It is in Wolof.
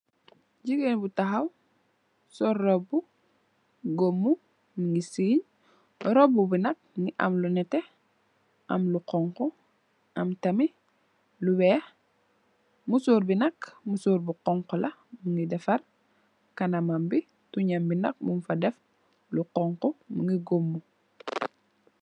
jigen bu taxaw sol robu robu mungi gumu roba bi nak bungi am lu nete am lu xonxu am tamit lu wex musor bi nak musor bu xonxa la mhgi dafar kanamam bi tounjam bi mung fa def lu xonxu mungi hamu